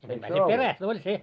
sentään se perästä oli se